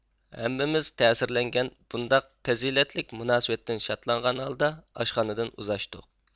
ھەممىمىز تەسىرلەنگەن بۇنداق پەزىلەتلىك مۇناسىۋەتتىن شادلانغان ھالدا ئاشخانىدىن ئۇزاشتۇق